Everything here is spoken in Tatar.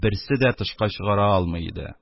Берсе дә тышка чыгара алмый иде.